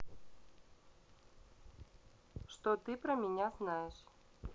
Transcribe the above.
что ты про меня знаешь